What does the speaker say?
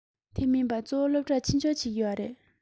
དེ མིན པ གཙོ བོ སློབ གྲྭར ཕྱི འབྱོར བྱེད ཀྱི ཡོད རེད